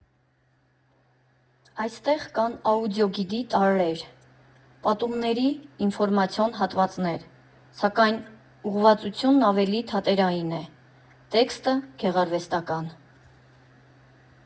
Այստեղ կան աուդիո֊գիդի տարրեր, պատումների ինֆորմացիոն հատվածներ, սակայն ուղղվածությունն ավելի թատերային է, տեքստը՝ գեղարվեստական։